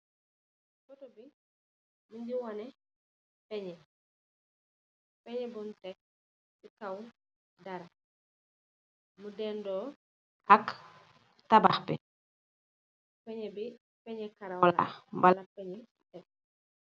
Poto bi mogi wone pexnex pexnex bung tek si kaw dara mu dendo ak tabax bi penxnex bi pexnex karaw la mbala pexnex ki.